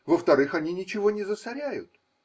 Во-вторых, они ничего не засоряют.